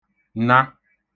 na